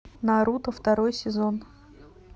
наруто второй сезон